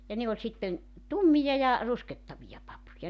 ja ne oli sitten tummia ja ruskehtavia papuja